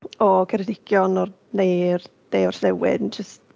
O Ceredigion o'r neu'r De Orllewin jyst...